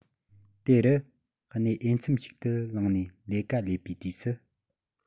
དེ རུ གནས འོས འཚམ ཞིག ཏུ ལངས ནས ལས ཀ ལས པའི དུས སུ